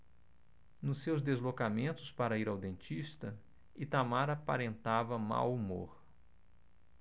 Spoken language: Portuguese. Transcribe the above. nos seus deslocamentos para ir ao dentista itamar aparentava mau humor